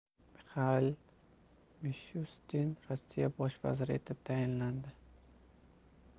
mixail mishustin rossiya bosh vaziri etib tayinlandi